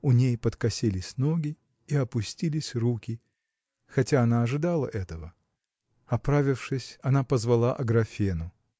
У ней подкосились ноги и опустились руки, хотя она ожидала этого. Оправившись, она позвала Аграфену.